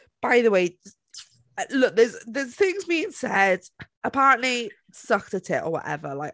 "By the way, uh, l- look, there's things being said, apparently, sucked her tit or whatever like."